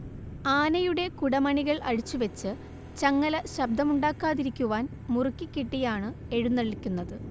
ആനയുടെ കുടമണികൾ അഴിച്ചുവെച്ച് ചങ്ങല ശബ്ദമുണ്ടാക്കാതിരിക്കുവാൻ മുറുക്കി കെട്ടിയാണ് എഴുന്നള്ളിക്കുന്നത്